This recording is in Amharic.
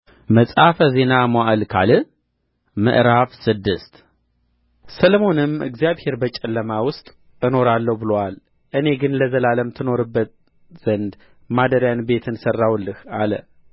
መጽሐፈ ዜና መዋዕል ካልዕ ምዕራፍ ስድስት ሰሎሞንም እግዚአብሔር በጨለማ ውስጥ እኖራለሁ ብሎአል እኔ ግን ለዘላለም ትኖርበት ዘንድ ማደሪያ ቤትን ሠራሁልህ አለ